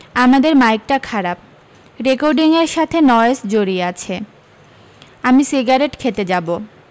আমাদের মাইকটা খারাপ রেকর্ডিং এর সাথে নয়েজ জড়িয়ে আছে আমি সিগারেট খেতে যাবো